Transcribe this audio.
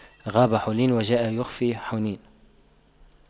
غاب حولين وجاء بِخُفَّيْ حنين